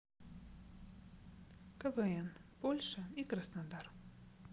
квн польша и краснодар